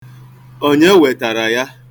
Onye wetara ya?